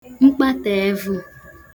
mkpataevụ̄